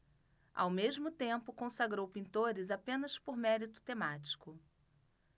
ao mesmo tempo consagrou pintores apenas por mérito temático